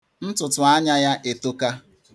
Ntụ̀tụ̀anya ya etoka.